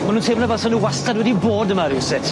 Ma' nw'n teimlo fel sa nw wastad wedi bod yma rywsut.